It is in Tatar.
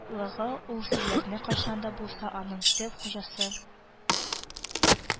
Лыгы ул серләрне кайчан да булса аның төп хуҗасы –